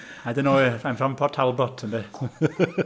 I don't know, I'm from Port Talbot, ynde